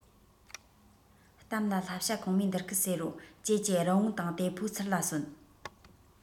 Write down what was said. གཏམ ལ ལྷ བྱ གོང མོས འདི སྐད ཟེར རོ ཀྱེ ཀྱེ རི བོང དང དེ ཕོ ཚུར ལ གསོན